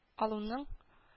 Алуның